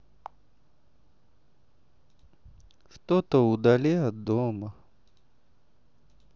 что то удали от дома